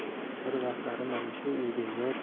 bir vaqtlar mana shu uyga yor